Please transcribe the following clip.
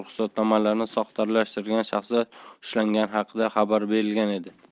ruxsatnomalarni soxtalashtirgan shaxslar ushlangani haqida xabar berilgan edi